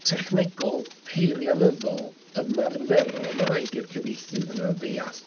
Technegol, peirianyddol, ymarferol, ma' raid i'r cyfieithydd yna ddeall.